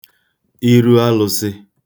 iru alụ̄sị̄